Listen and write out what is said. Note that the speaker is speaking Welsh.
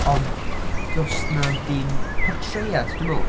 Ond does 'na ddim portread dwi'n meddwl.